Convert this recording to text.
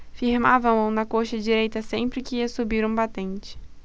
firmava a mão na coxa direita sempre que ia subir um batente